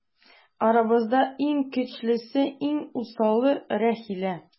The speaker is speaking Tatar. Арабызда иң көчлесе, иң усалы - Рәхилә.